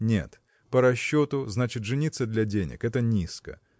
– Нет, по расчету значит жениться для денег – это низко